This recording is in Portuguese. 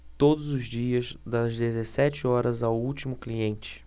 todos os dias das dezessete horas ao último cliente